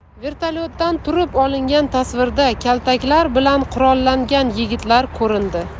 vertolyotdan turib olingan tasvirda kaltaklar bilan qurollangan yigitlar ko'rindi